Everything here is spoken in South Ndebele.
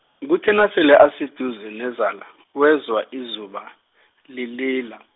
kuthe nasele aseduze nezala, wezwa izuba, lilila.